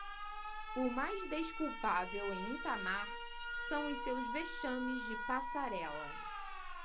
o mais desculpável em itamar são os seus vexames de passarela